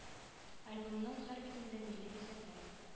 Альбомның һәр битендә милли бизәкләр